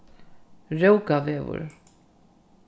rókavegur